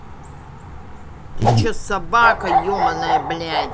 ты че собака ебаная блядь